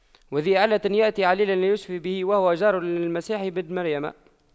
وذى علة يأتي عليلا ليشتفي به وهو جار للمسيح بن مريم